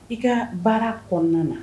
I ka baara kɔnɔna na